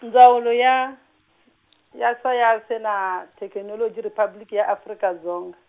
Ndzawulo ya, ya Sayense na, Theknoloji Riphabliki ya Afrika Dzonga.